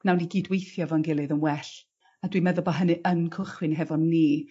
nawn ni gydweithio fo'n gilydd yn well, a dwi'n meddwl bo' hynny yn cychwyn hefo ni